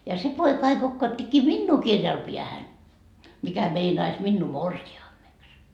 ja se poika aina kokauttikin minua kirjalla päähän mikä meinaisi minua morsiameksi